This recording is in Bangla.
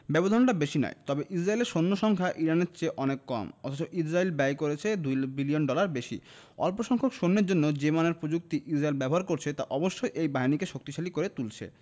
ব্যবধানটা বেশি নয় তবে ইসরায়েলের সৈন্য সংখ্যা ইরানের চেয়ে অনেক কম অথচ ইসরায়েল ব্যয় করছে ২ বিলিয়ন ডলার বেশি অল্পসংখ্যক সেনার জন্য যে মানের প্রযুক্তি ইসরায়েল ব্যবহার করছে তা অবশ্যই এই বাহিনীকে শক্তিশালী করে তুলছে